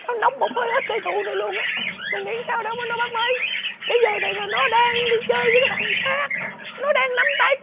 tao nốc một hơi hết chai rượu này luôn á mày nghĩ sao để quên nó bốc máy cái giờ này là nó đang đi chơi với cái thằng khác nó đang nắm tay